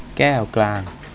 แก้วกลาง